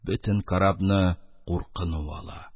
Бөтен карабны куркыну ала.